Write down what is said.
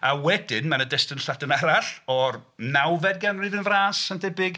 A wedyn ma' 'na destun Lladin arall o'r nawfed ganrif yn fras yn debyg.